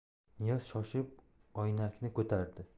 niyoz shoshib oynakni ko'tardi